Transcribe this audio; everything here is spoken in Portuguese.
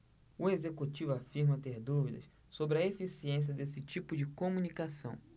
o executivo afirma ter dúvidas sobre a eficiência desse tipo de comunicação